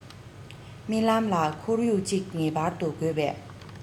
རྨི ལམ ལ ཁོར ཡུག ཅིག ངེས པར དུ དགོས པས